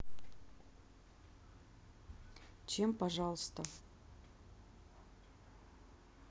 чем пожалуйста